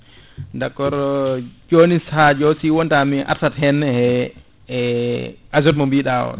d' accord joni sajo wonta mi artat hen e azote mo biɗa o